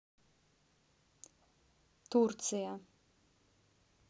турция